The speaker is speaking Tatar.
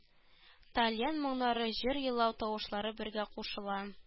Тальян моңнары җыр елау тавышлары бергә кушыла